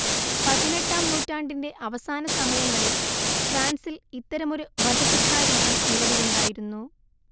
പതിനെട്ടാം നൂറ്റാണ്ടിന്റെ അവസാനസമയങ്ങളിൽ ഫ്രാൻസിൽ ഇത്തരമൊരു വധശിക്ഷാരീതി നിലവിലുണ്ടായിരുന്നു